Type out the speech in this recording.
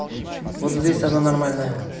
вот здесь она нормальная